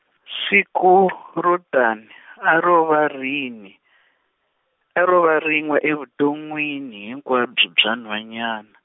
siku ro tani a ro va rini, a ro va rin'we evuton'wini hinkwabyo bya nhwanyana.